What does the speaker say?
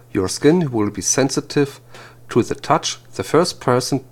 your skin will be sensitive to the touch, the first person